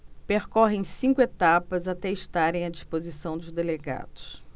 percorrem cinco etapas até estarem à disposição dos delegados